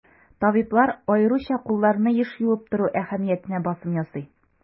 Табиблар аеруча кулларны еш юып тору әһәмиятенә басым ясый.